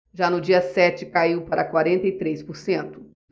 já no dia sete caiu para quarenta e três por cento